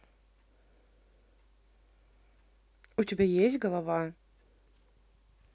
у тебя есть голова